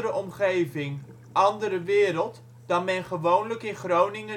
omgeving, andere wereld dan men gewoonlijk in Groningen